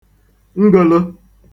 ngolō